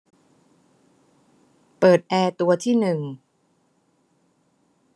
เปิดแอร์ตัวที่หนึ่ง